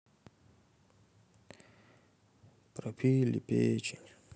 пропили печень